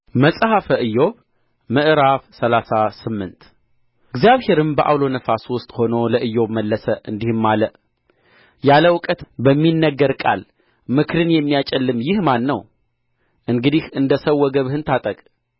መጽሐፈ ኢዮብ ምዕራፍ ሰላሳ ስምንት እግዚአብሔርም በዐውሎ ነፋስ ውስጥ ሆኖ ለኢዮብ መለሰ እንዲህም አለ ያለ እውቀት በሚነገር ቃል ምክርን የሚያጨልም ይህ ማነው እንግዲህ እንደ ሰው ወገብህን ታጠቅ